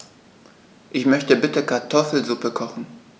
Ich möchte bitte Kartoffelsuppe kochen.